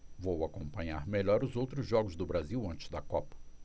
vou acompanhar melhor os outros jogos do brasil antes da copa